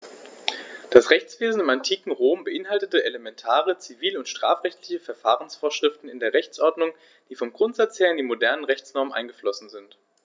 Das Rechtswesen im antiken Rom beinhaltete elementare zivil- und strafrechtliche Verfahrensvorschriften in der Rechtsordnung, die vom Grundsatz her in die modernen Rechtsnormen eingeflossen sind.